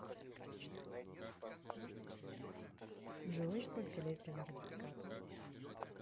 джой сколько лет леонардо ди каприо